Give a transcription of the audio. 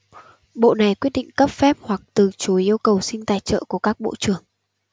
bộ này quyết định cấp phép hoặc từ chối yêu cầu xin tài trợ của các bộ trưởng